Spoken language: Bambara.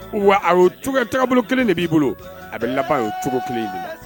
Wa a o cogoya tagabolo 1 de b'i bolo a be laban y o cogo 1 in de la